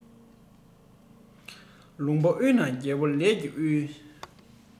ལུང པ དབུལ ན རྒྱལ པོ ལས ཀྱིས དབུལ